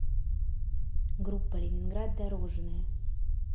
группа ленинград дорожная